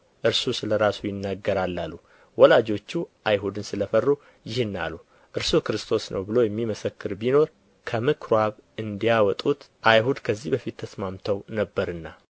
እርሱ ስለ ራሱ ይናገራል አሉ ወላጆቹ አይሁድን ስለ ፈሩ ይህን አሉ እርሱ ክርስቶስ ነው ብሎ የሚመሰክር ቢኖር ከምኵራብ እንዲያወጡት አይሁድ ከዚህ በፊት ተስማምተው ነበርና